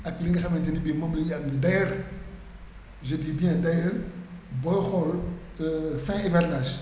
ak li nga xamante ne bii moom la ñu yàgg di d' aillers je dis bien d' aillers booy xool fin hivernage